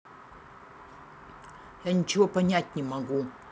я ничего понять не могу